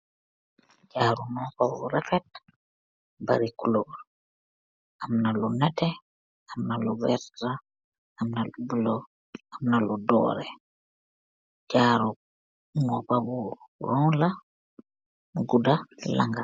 Jarou nopa bu rafet barri kuloor ,amna lu nehteh, amna lu weerteh amna lu bulo, amna lu doreh, jarou nopa bu gudaa langnga.